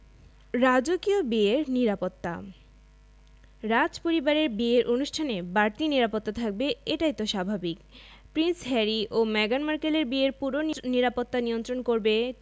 রাজকীয় বিয়ের নিরাপত্তা রাজপরিবারের বিয়ের অনুষ্ঠানে বাড়তি নিরাপত্তা থাকবে এটাই তো স্বাভাবিক প্রিন্স হ্যারি ও মেগান মার্কেলের বিয়ের পুরো নিরাপত্তা নিয়ন্ত্রণ করবে